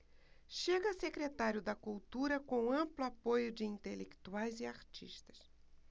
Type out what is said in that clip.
chega a secretário da cultura com amplo apoio de intelectuais e artistas